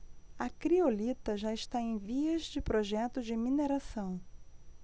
a criolita já está em vias de projeto de mineração